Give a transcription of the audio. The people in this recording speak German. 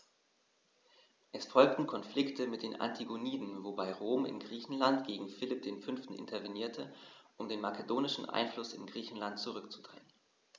Es folgten Konflikte mit den Antigoniden, wobei Rom in Griechenland gegen Philipp V. intervenierte, um den makedonischen Einfluss in Griechenland zurückzudrängen.